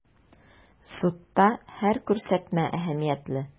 Судта һәр күрсәтмә әһәмиятле.